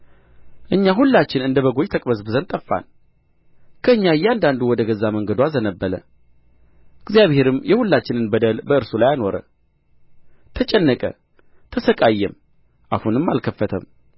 እኛ ሁላችን እንደ በጎች ተቅበዝብዘን ጠፋን ከእኛ እያንዳንዱ ወደ ገዛ መንገዱ አዘነበለ እግዚአብሔርም የሁላችንን በደል በእርሱ ላይ አኖረ ተጨነቀ ተሣቀየም አፉንም አልከፈተም